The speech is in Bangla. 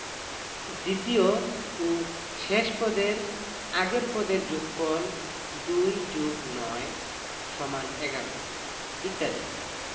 দ্বিতীয় ও শেষ পদের আগের পদের যোগফল ২+৯=১১ ইত্যাদি